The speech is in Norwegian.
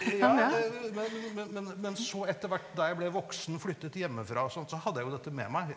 ja men men men så etter hvert da jeg ble voksen flyttet hjemmefra og sånt så hadde jeg jo dette med meg.